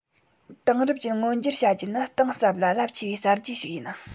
དེང རབས ཅན མངོན གྱུར བྱ རྒྱུ ནི གཏིང ཟབ ལ རླབས ཆེ བའི གསར བརྗེ ཞིག ཡིན